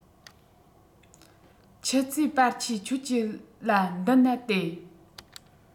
ཁྱི ཙེ པར ཆས ཁྱོད ཀྱི ལ མདུན ན དེད